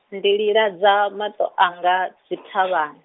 ndi liladza, maṱo anga, dzi thavhani.